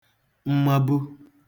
mmabu